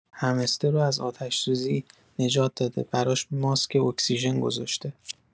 همسترو از آتش‌سوزی نجات داده، براش ماسک اکسیژن گذاشته